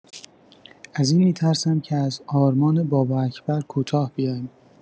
از این می‌ترسم که از آرمان بابااکبر کوتاه بیایم.